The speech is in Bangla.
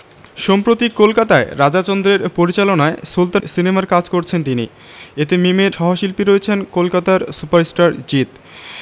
সম্প্রতি কলকাতায় রাজা চন্দের পরিচালনায় সুলতান সিনেমার কাজ করছেন তিনি এতে মিমের সহশিল্পী রয়েছেন কলকাতার সুপারস্টার জিৎ